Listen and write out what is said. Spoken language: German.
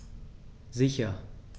Sicher.